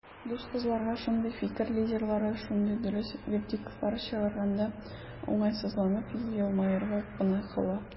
Дус кызларга шундый "фикер лидерлары" шундый дөрес вердиктлар чыгарганда, уңайсызланып елмаерга гына кала.